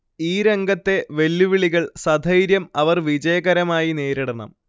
ഈ രംഗത്തെ വെല്ലുവിളികൾ സധൈര്യം അവർ വിജയകരമായി നേരിടണം